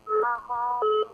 Nse